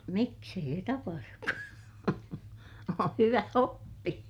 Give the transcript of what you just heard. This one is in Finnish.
miksi ei se tapahdu kun on on hyvä oppi